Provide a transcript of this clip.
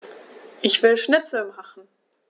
Ich will Schnitzel machen.